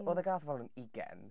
Oedd y gath fel yn ugain.